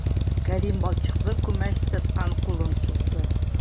Кәрим балчыклы күмәч тоткан кулын сузды.